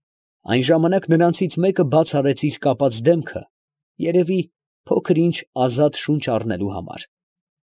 Այն ժամանակ նրանցից մեկը բաց արեց իր կապած դեմքը, երևի, փոքր ինչ ազատ շունչ առնելու համար։